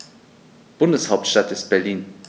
Bundeshauptstadt ist Berlin.